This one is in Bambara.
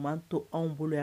Man to anw bolo yan